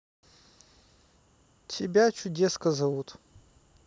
тебе чудеска зовут